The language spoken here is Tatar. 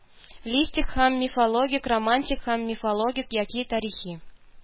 Листик һәм мифологик, романтик һәм мифологик яки тарихи,